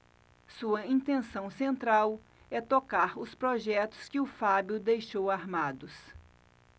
sua intenção central é tocar os projetos que o fábio deixou armados